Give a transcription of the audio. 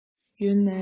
ཡུན ནན